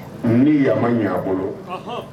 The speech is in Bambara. Ni ya ɲ'a bolo